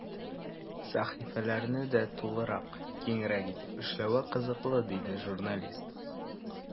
Сәхифәләрне дә тулырак, киңрәк итеп эшләве кызыклы, диде журналист.